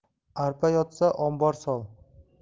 arpa yotsa ombor sol